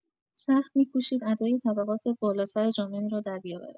سخت می‌کوشید ادای طبقات بالاتر جامعه را دربیاورد.